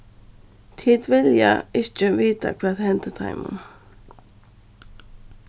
tit vilja ikki vita hvat hendi teimum